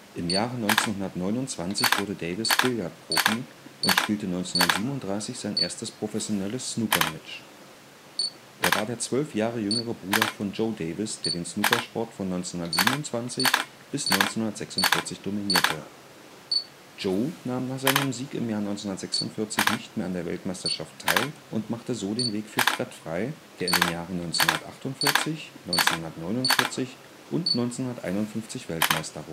1929 wurde Davis Billard-Profi und spielte 1937 sein erstes professionelles Snooker-Match. Er war der zwölf Jahre jüngere Bruder von Joe Davis, der den Snookersport von 1927 bis 1946 dominierte. Joe nahm nach seinem Sieg im Jahre 1946 nicht mehr an der Weltmeisterschaft teil und machte so den Weg für Fred frei, der in den Jahren 1948, 1949 und 1951 Weltmeister